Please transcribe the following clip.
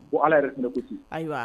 Ko ala yɛrɛ tun ko ayiwa